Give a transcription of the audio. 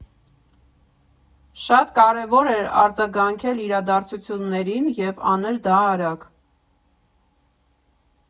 Շատ կարևոր էր արձագանքել իրադարցություններին և անել դա արագ։